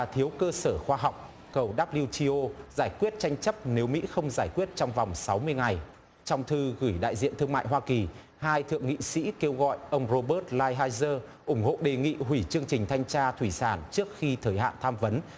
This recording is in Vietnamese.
và thiếu cơ sở khoa học cầu đắp liu chi ô giải quyết tranh chấp nếu mỹ không giải quyết trong vòng sáu mươi ngày trong thư gửi đại diện thương mại hoa kỳ hai thượng nghị sĩ kêu gọi ông rô bớt lai hai giơ ủng hộ đề nghị hủy chương trình thanh tra thủy sản trước khi thời hạn tham vấn